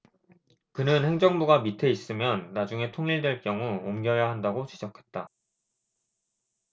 그는 행정부가 밑에 있으면 나중에 통일될 경우 옮겨야 한다고 지적했다